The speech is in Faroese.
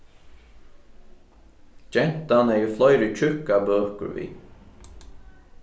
gentan hevði fleiri tjúkkar bøkur við